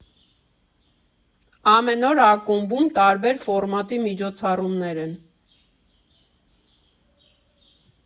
Ամեն օր ակումբում տարբեր ֆորմատի միջոցառումներ են.